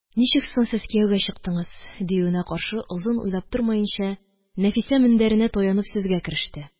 «ничек соң сез кияүгә чыктыңыз?» – диюенә каршы, озын уйлап тормаенча, нәфисә мендәренә таянып сүзгә кереште.